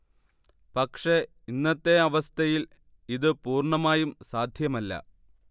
പക്ഷെ ഇന്നത്തെ അവസ്ഥയിൽ ഇത് പൂർണമായും സാധ്യമല്ല